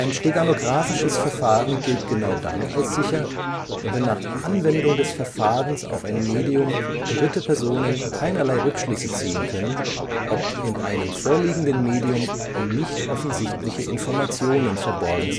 steganographisches Verfahren gilt genau dann als sicher, wenn nach Anwendung des Verfahrens auf ein Medium dritte Personen keinerlei Rückschlüsse ziehen können, ob in einem vorliegenden Medium nichtoffensichtliche Informationen verborgen